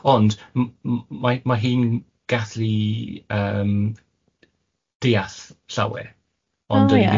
Ond m- m- mae mae hi'n gallu yym deall llawer, ond... O ie, ie.